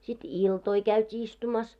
sitten iltoja käytiin istumassa